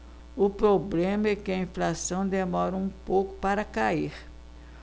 o problema é que a inflação demora um pouco para cair